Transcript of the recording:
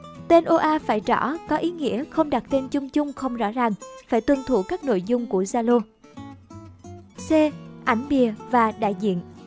tên oa phải rõ có ý nghĩa không đặt tên chung chung không rõ ràng phải tuân thủ các nội dung của zalo c ảnh bìa và đại diện